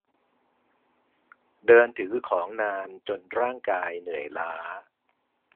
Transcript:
เดินถือของนานจนร่างกายเหนื่อยล้า